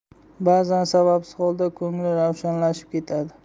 ba'zan sababsiz holda ko'ngli ravshanlashib ketadi